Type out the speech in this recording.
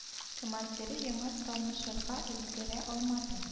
Командиры яңа танышырга өлгерә алмады